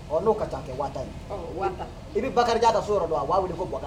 Ɔ n'o ka can a kɛ 10.000 ye ɔɔ 10.000 i bI Bakarijan ka so yɔrɔ dɔn a u b'a wele ko Buwakari